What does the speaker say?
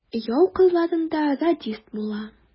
Яу кырларында радист була.